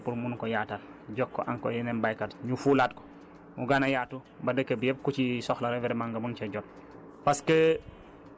ci loolu la ñuy sukkandiku léegi pour mën ko yaatal jox ko encore yeneen baykat ñu fulaat ko mu gën a yaatu ba dëkk bi yépp ku ci soxla rekk vraiment nga mën cee jot